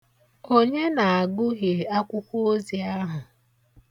Onye na-agụhie akwụkwọ ozi ahụ?